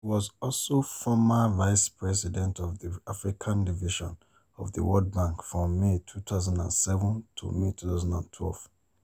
She was also former vice president of the Africa division of the World Bank from May 2007 to May 2012.